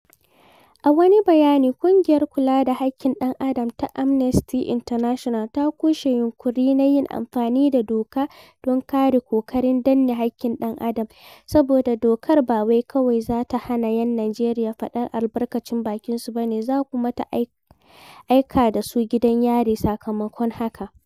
A wani bayani, ƙungiyar kula da haƙƙin ɗan adam ta Amnesty International ta kushe yunƙurin na "yin amfani da doka don kare ƙoƙarin danne haƙƙin ɗan adam", saboda dokar ba wai kawai za ta hana 'yan Nijeriya "faɗar albarkacin bakinsu bane", za kuma ta "aika da su gidan yari sakamakon haka".